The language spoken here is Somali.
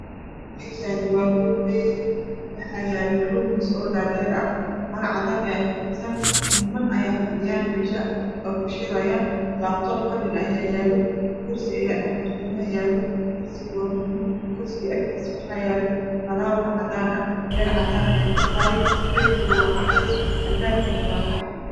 Meshan wa hol wen waxa yalo labomis odhadheer ah marocadan ayakafidsan ninman ayafadhiyan mesha aykushirayan Labtob qalin Aya yalo kursi Aya dhaxbatimaha yalo kursigawabalug kursiga Agtisa waxa yaalo falawur cadan ah Leercadan ah ayaka ifaya derbiga wacades ilbabkana wa qaxwi